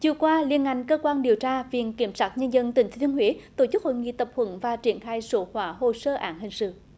chiều qua liên ngành cơ quan điều tra viện kiểm sát nhân dân tỉnh thừa thiên huế tổ chức hội nghị tập huấn và triển khai số hóa hồ sơ án hình sự